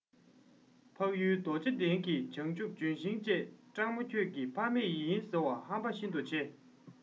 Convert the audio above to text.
འཕགས ཡུལ རྡོ རྗེ གདན གྱི བྱང ཆུབ ལྗོན ཤིང བཅས སྤྲང མོ ཁྱོད ཀྱི ཕ མེས ཡིན ཟེར བ ཧམ པ ཤིན ཏུ ཆེ